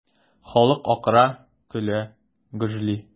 Халык акыра, көлә, гөжли.